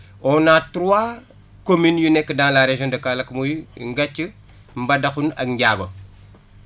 on a trois communes yu nekk dans la région de Kaolack muy Ngathie Mbadakhoune ak Ndiago